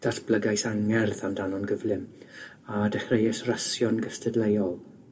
Datblygais angerdd amdano'n gyflym a dechreuais rhasio'n gystadleuol